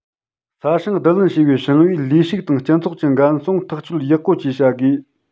ས ཞིང བསྡུ ལེན བྱས པའི ཞིང པའི ལས ཞུགས དང སྤྱི ཚོགས ཀྱི འགན སྲུང ཐག གཅོད ཡག པོ བཅས བྱ དགོས